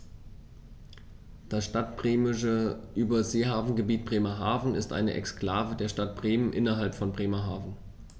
Das Stadtbremische Überseehafengebiet Bremerhaven ist eine Exklave der Stadt Bremen innerhalb von Bremerhaven.